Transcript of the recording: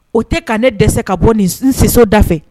O tɛ ka ne dɛsɛ ka bɔ nin sinsinda fɛ